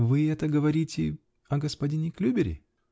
Вы это говорите о господине Клюбере?